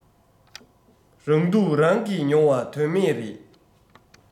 རང སྡུག རང གིས ཉོ བ དོན མེད རེད